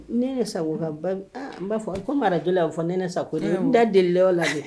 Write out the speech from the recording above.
Nɛnɛ Sako n b'a fɔ a komi arajo la a bɛ fɔ Nɛnɛ Sako n da delila o de la de